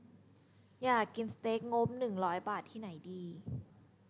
อยากกินสเต็กงบหนึ่งร้อยบาทที่ไหนดี